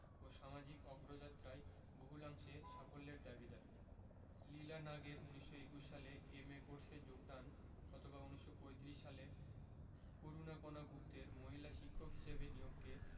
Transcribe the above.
ও সামাজিক অগ্রযাত্রায় বহুলাংশে সাফল্যের দাবিদার লীলা নাগের ১৯২১ সালে এম.এ কোর্সে যোগদান অথবা ১৯৩৫ সালে করুণাকণা গুপ্তের মহিলা শিক্ষক হিসেবে নিয়োগকে